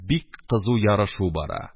Бик кызу ярышу бара: